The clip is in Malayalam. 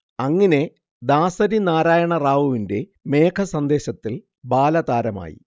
അങ്ങിനെ ദാസരി നാരായണ റാവുവിന്റെ മേഘസന്ദേശത്തിൽ ബാലതാരമായി